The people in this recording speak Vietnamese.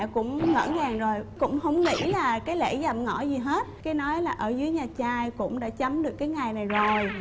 em cũng ngỡ ngàng rồi cũng không nghĩ là cái lễ dạm ngõ gì hết kí nói là ở dưới nhà trai cũng đã chấm được cái ngày này rồi